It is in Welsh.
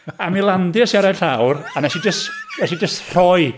A mi landiais i ar y llawr a wnes i jyst... wnes i jyst rhoi.